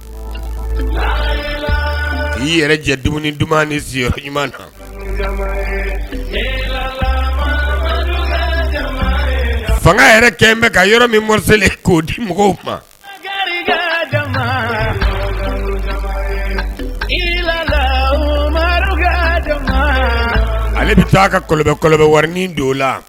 I yɛrɛ jɛ dumuni duman ɲuman na fanga yɛrɛ kɛ bɛ ka yɔrɔ min mɔn k ko di mɔgɔw ma ale bɛ taa ka wariin don la